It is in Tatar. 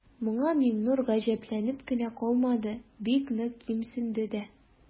Моңа Миңнур гаҗәпләнеп кенә калмады, бик нык кимсенде дә.